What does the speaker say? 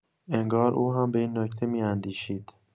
انگار او هم به این نکته می‌اندیشید.